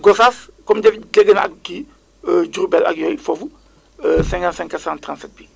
Gosas comme je jege na ak kii Diourbel ak yooyu foofu 55 437 bi